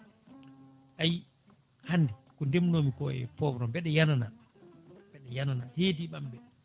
ayi hande ko ndemnomi ko e poivron mbiɗa yenana mbiɗa yenana yidiɓamɓe